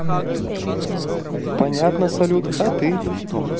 понятно салют а ты